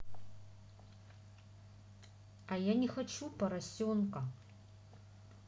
а я не хочу поросенка